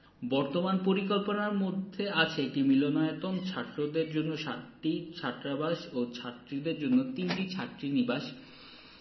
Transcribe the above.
বর্তমান পরিকল্পনার মধ্যে আছে একটি মিলনায়তন ছাত্রদের জন্য সাতটি ছাত্রাবাস ও ছাত্রীদের জন্য তিনটি ছাত্রীনিবাস